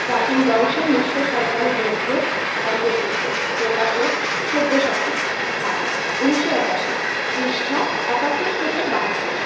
প্রাচীন বংশের নিঃস্ব সন্তান গ্রন্থের অন্তর্ভুক্ত প্রকাশকঃ সব্যসাচী ঢাকা ১৯৮১ পৃষ্ঠাঃ ৭১ থেকে ৭২